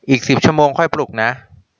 อีกสิบชั่วโมงค่อยปลุกนะ